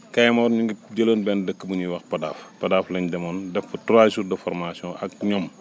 Kaymor ñu ngi jëloon benn dëkk bu ñuy wax Podaf Podaf lañ demoon def fa trois jours de formation ak ñoom